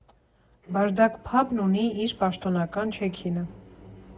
«Բարդակ» փաբն ունի իր պաշտոնական չեքինը։